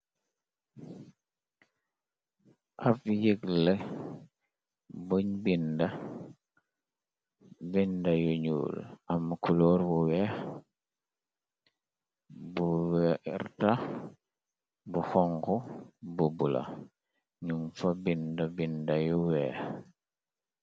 Af yëgla buñ bind binda yu ñuul am kuloor wu weeh bu wertax bu honku bu bula num fa binda binda yu weeh.